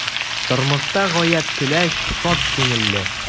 Тормышта гаять көләч, шат күңелле.